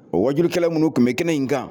O wariurukɛla minnu tun bɛ kɛnɛ in kan